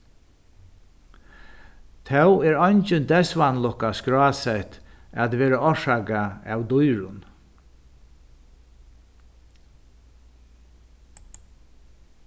tó er eingin deyðsvanlukka skrásett at vera orsakað av dýrum